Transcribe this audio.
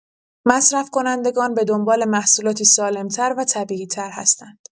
مصرف‌کنندگان به‌دنبال محصولاتی سالم‌تر و طبیعی‌تر هستند.